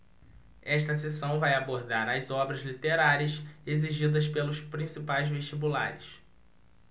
esta seção vai abordar as obras literárias exigidas pelos principais vestibulares